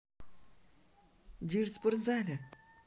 dirt в спортзале